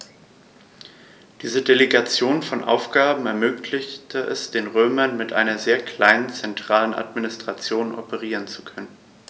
Diese Delegation von Aufgaben ermöglichte es den Römern, mit einer sehr kleinen zentralen Administration operieren zu können.